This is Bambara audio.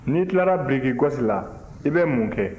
n'i tilara birikigɔsi la i bɛ mun kɛ